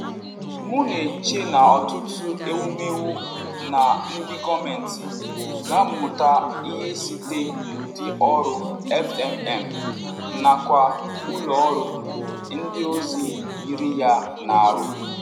Mụ na-eche na ọtụtụ ewumewu na ndị gọọmenti ga-amụta ihe site n'ụdị ọrụ FMM nakwa ụlọ ọrụ ndị ọzọ yiri ya na-arụ.